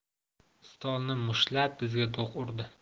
stolni mushtlab bizga do'q urdi